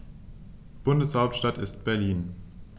Bundeshauptstadt ist Berlin.